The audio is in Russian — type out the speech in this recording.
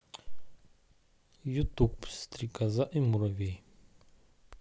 ютуб стрекоза и муравей